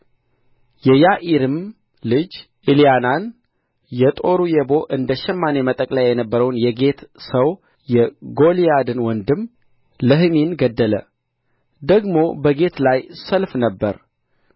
የያዒርም ልጅ ኤልያናን የጦሩ የቦ እንደ ሸማኔ መጠቅለያ የነበረውን የጌት ሰው የጎልያድን ወንድም ለሕሚን ገደለ ደግሞ በጌት ላይ ሰልፍ ነበረ